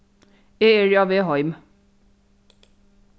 eg eri á veg heim